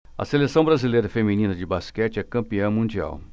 a seleção brasileira feminina de basquete é campeã mundial